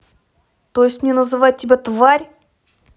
то есть мне называть тебя тварь